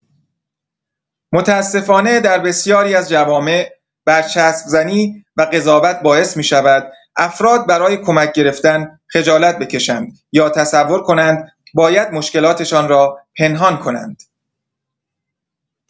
متأسفانه در بسیاری از جوامع، برچسب‌زنی و قضاوت باعث می‌شود افراد برای کمک گرفتن خجالت بکشند یا تصور کنند باید مشکلاتشان را پنهان کنند.